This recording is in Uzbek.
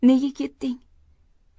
nega ketding